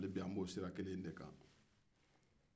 hali bi an b'o sira kelen de kan